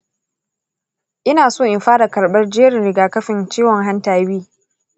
ina so in fara karɓar jerin rigakafin ciwon hanta b.